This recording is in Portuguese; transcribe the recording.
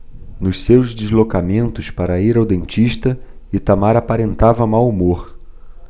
nos seus deslocamentos para ir ao dentista itamar aparentava mau humor